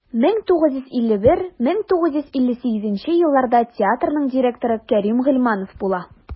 1951-1958 елларда театрның директоры кәрим гыйльманов була.